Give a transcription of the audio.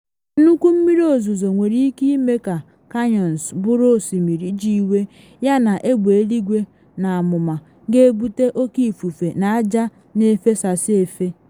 Nnukwu mmiri ozizo nwere ike ịme ka kanyọns bụrụ osimiri ji iwe yana egbe eluigwe na amụma ga-ebute oke ifufe na aja na efesasị efe.